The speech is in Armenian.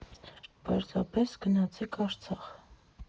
Պարզապես գնացեք Արցախ։